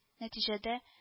Нәтиҗәдә